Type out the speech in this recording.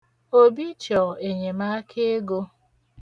Obi chọ enyemaaka ego.